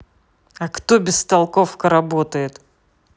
а кто бестолковка работает